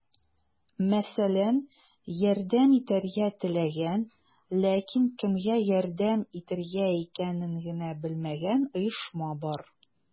Мәсәлән, ярдәм итәргә теләгән, ләкин кемгә ярдәм итергә икәнен генә белмәгән оешма бар.